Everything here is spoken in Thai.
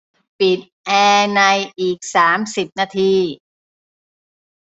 ปิดแอร์ในอีกสามสิบนาที